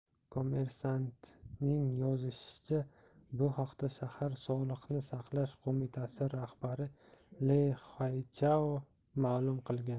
kommersant ning yozishicha bu haqda shahar sog'liqni saqlash qo'mitasi rahbari ley xaychao ma'lum qilgan